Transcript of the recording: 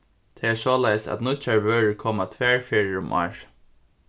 tað er soleiðis at nýggjar vørur koma tvær ferðir um árið